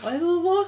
Oedd, oedd o!